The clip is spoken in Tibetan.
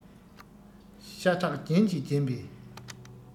ཤ ཁྲག རྒྱན གྱིས བརྒྱན པའི